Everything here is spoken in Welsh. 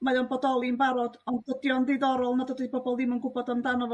mae o'n bodoli'n barod ond dydi o'n diddorol nad ydi pobol ddim yn gw'bod amdano fo